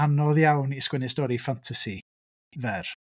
Anodd iawn i sgwennu stori ffantasi fer.